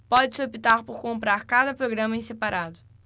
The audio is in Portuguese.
pode-se optar por comprar cada programa em separado